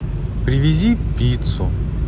привези пиццу